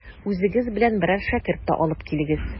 Үзегез белән берәр шәкерт тә алып килегез.